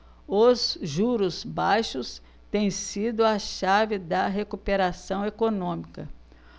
os juros baixos têm sido a chave da recuperação econômica